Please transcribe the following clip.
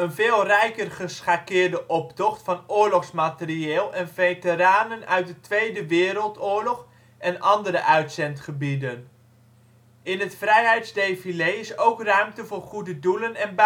veel rijker geschakeerde optocht van oorlogsmaterieel en veteranen uit de Tweede Wereldoorlog en andere uitzendgebieden. In het Vrijheidsdefilé is ook ruimte voor goede doelen en basisschoolleerlingen